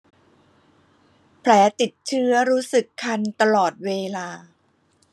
แผลติดเชื้อรู้สึกคันตลอดเวลา